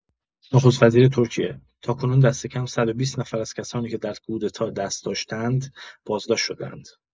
نخست‌وزیر ترکیه: تاکنون دستکم ۱۲۰ نفر از کسانی که در کودتا دست داشته‌اند، بازداشت شده‌اند.